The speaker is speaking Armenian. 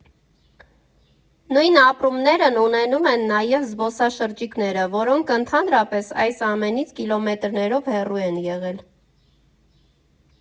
Նույն ապրումներն ունենում են նաև զբոսաշրջիկները, որոնք ընդհանրապես այս ամենից կիլոմետրերով հեռու են եղել։